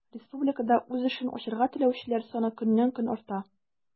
Республикада үз эшен ачарга теләүчеләр саны көннән-көн арта.